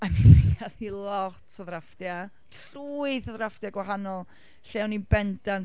I mean mi gaeth hi lot o ddrafftiau. Llwyth o ddrafftiau gwahanol lle o'n i'n bendant...